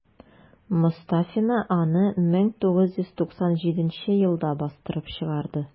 Мостафина аны 1997 елда бастырып чыгарды.